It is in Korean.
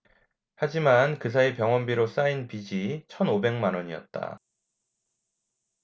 하지만 그 사이 병원비로 쌓인 빚이 천 오백 만원이었다